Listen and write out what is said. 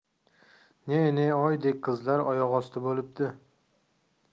ne ne oydek qizlar oyoqosti bo'pti